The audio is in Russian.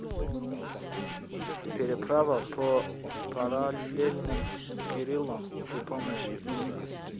переправа по параллельным кириллом при помощи usa